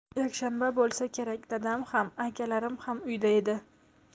yakshanba bo'lsa kerak dadam ham akalarim ham uyda edi